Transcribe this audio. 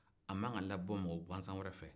a ma kan ka labɔ mɔgɔgansan wɛrɛ fɛ